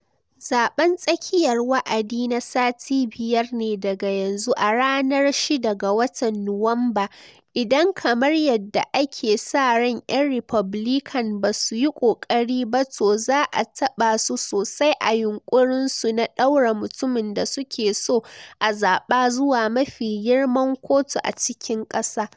zaben tsakiyar wa’adi na sati biyar ne daga yanzu, a ranar 6 ga watan Nuwamba - idan, kamar yadda ake sa ran, 'yan Republican ba su yi kokari ba, to, za a taba su sosai a yunkurin su na daura mutumin da suke so a zaba zuwa mafi girman kotu a cikin kasa.